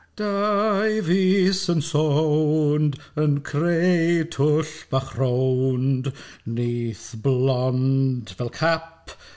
Dau fys yn sownd yn creu twll bach rownd, nyth blond fel cap.